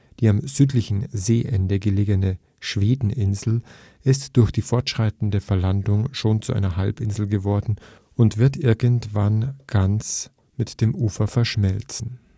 Die am südlichen Seeende gelegene Schwedeninsel ist durch die fortschreitende Verlandung schon zu einer Halbinsel geworden und wird irgendwann ganz mit dem Ufer verschmelzen